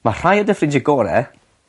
Ma' rhai a dy ffrindie gore